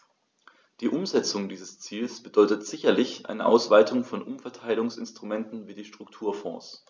Die Umsetzung dieses Ziels bedeutet sicherlich eine Ausweitung von Umverteilungsinstrumenten wie die Strukturfonds.